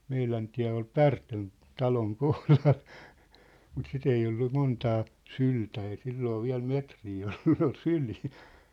meidän tie oli Pärtön talon kohdalla mutta sitä ei ollut montaa syltä ei silloin vielä metriä ollut ne oli syliä